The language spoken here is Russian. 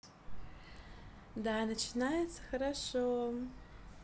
да начинается хорошо